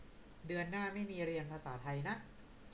เดือนหน้าไม่มีเรียนภาษาไทยนะ